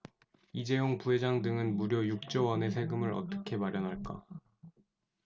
이재용 부회장 등은 무려 육 조 원의 세금을 어떻게 마련할까